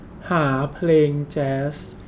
หาเพลงแจ๊ส